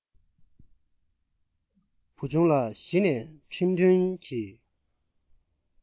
བུ ཆུང ལ གཞི ནས ཁྲིམས མཐུན གྱི